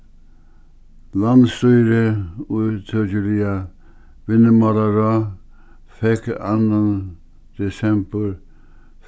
men landsstýrið ítøkiliga vinnumálaráð fekk annan desembur